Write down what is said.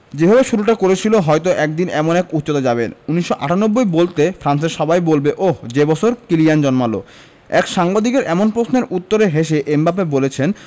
যেভাবে শুরুটা করেছেন হয়তো একদিন এমন এক উচ্চতায় যাবেন ১৯৯৮ বলতে ফ্রান্সের সবাই বলবে ওহ্ যে বছর কিলিয়ান জন্মাল এক সাংবাদিকের এমন প্রশ্নের উত্তরে হেসে এমবাপ্পে বলেছেন